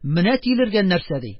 Менә тилергән нәрсә!.. - ди.